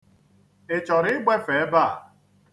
Ị chọrọ igbefe ebe a?